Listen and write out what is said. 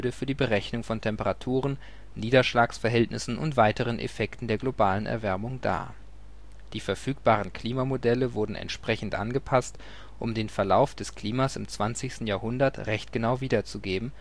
für die Berechnung von Temperaturen, Niederschlagsverhältnissen und weiteren Effekten der globalen Erwärmung dar. Die verfügbaren Klimamodelle wurden entsprechend angepasst, um den Verlauf des Klimas im 20. Jahrhundert recht genau wiederzugeben